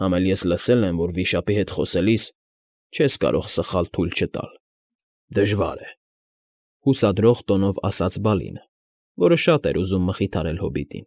Համ էլ ես լսել եմ, որ վիշապի հետ խոսելիս չես կարող սխալ թույլ չտալ, դժվար է,֊ հուսադրող տոնով ասաց Բալինը, որը շատ էր ուզում մխիթարել հոբիտին։֊